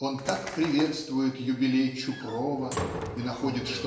Он так приветствует юбилей Чупрова и находит